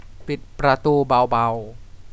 ปิดประตูเบาๆ